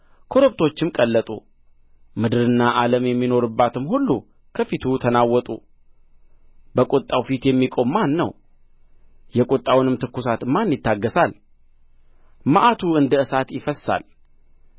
ኮረብቶችም ቀለጡ ምድርና ዓለም የሚኖሩበትም ሁሉ ከፊቱ ተናወጡ በቍጣው ፊት የሚቆም ማን ነው የቍጣውንም ትኵሳት ማን ይታገሣል መዓቱ እንደ እሳት ይፈስሳል